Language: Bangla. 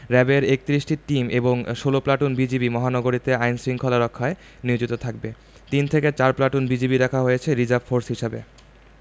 রেবের ৩১টি টিম এবং ১৬ প্লাটুন বিজিবি মহানগরীতে আইন শৃঙ্খলা রক্ষায় নিয়োজিত থাকবে তিন থেকে চার প্লাটুন বিজিবি রাখা হয়েছে রিজার্ভ ফোর্স হিসেবে